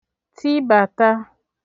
tibàta